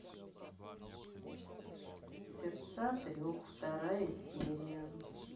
сердца трех вторая серия